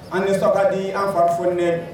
An ni sɔn ka di, an farifoninen don.